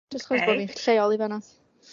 jyst achos bo' fi'n lleol i fana